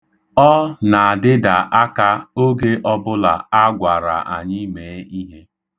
Ọ na-adịda aka oge ọbụla a gwara anyị mee ihe.